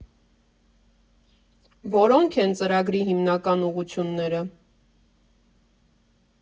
Որո՞նք են ծրագրի հիմնական ուղղությունները։